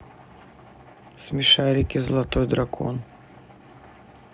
смешарики золотой дракон